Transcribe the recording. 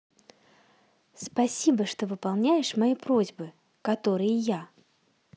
спасибо что выполняешь мои просьбы которые я